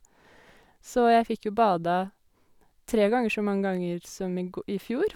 Så jeg fikk jo bada tre ganger så mange ganger som i gå i fjor.